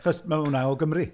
Achos ma' hwnna o Gymru!